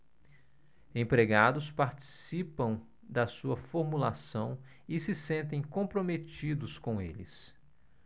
empregados participam da sua formulação e se sentem comprometidos com eles